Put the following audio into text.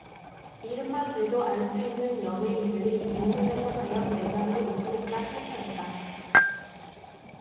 이름만 대도 알 수 있는 연예인들이 인근에서 대형 매장을 오픈했다 실패했다